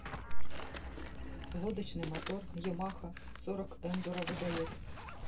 лодочный мотор ямаха сорок эндура выдает